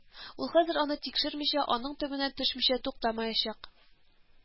Ул хәзер аны тикшермичә, аның төбенә төшмичә туктамаячак